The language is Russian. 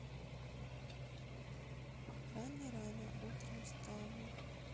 рано рано утром встану